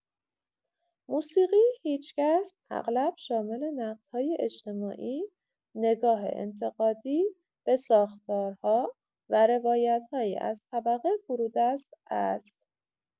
موسیقی هیچکس اغلب شامل نقدهای اجتماعی، نگاه انتقادی به ساختارها و روایت‌هایی از طبقه فرودست است.